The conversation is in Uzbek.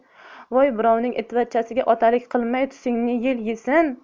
voy birovning itvachchasiga otalik qilmay tusingni yel yesin